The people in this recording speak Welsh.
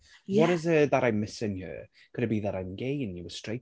Ie!... What is it that I'm missing here? Could it be that I'm gay and you're straight...